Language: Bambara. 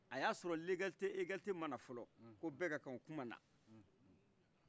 aya sɔrɔ legalite egalite mana fɔlɔ ko bɛ kakan o tun mana